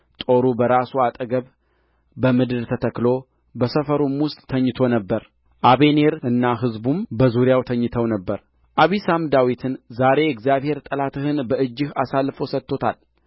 ጦሩ በራሱ አጠገብ በምድር ተተክሎ በሰፈሩ ውስጥ ተኝቶ ነበር አበኔርና ሕዝቡም በዙርያው ተኝተው ነበር አቢሳም ዳዊትን ዛሬ እግዚአብሔር ጠላትህን በእጅህ አሳልፎ ሰጥቶታል